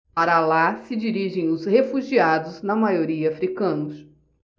para lá se dirigem os refugiados na maioria hútus